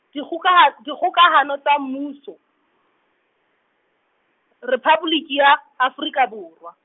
Dikgokaha-, Dikgokahano tsa Mmuso, Rephaboliki ya Afrika Borwa.